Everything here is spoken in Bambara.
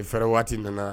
Fɛɛrɛ waati nana